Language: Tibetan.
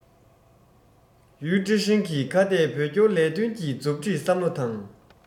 ཡུས ཀྲེང ཧྲེང གིས ཁ གཏད བོད སྐྱོར ལས དོན གྱི མཛུབ ཁྲིད བསམ བློ དང